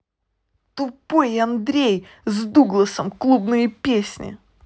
тупой андрей с дугласом клубные песни